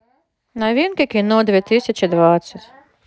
новинки кино две тысячи двадцать